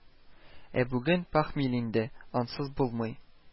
Ә бүген пахмил инде, ансыз булмый